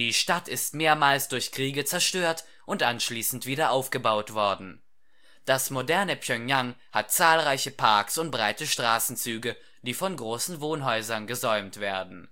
Stadt ist mehrmals durch Kriege zerstört und anschließend wieder aufgebaut worden. Das moderne Pjöngjang hat zahlreiche Parks und breite Straßenzüge, die von großen Wohnhäusern gesäumt werden